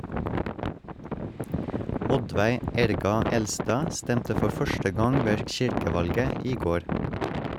Oddveig Erga Elstad stemte for første gang ved kirkevalget i går.